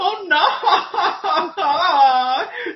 o na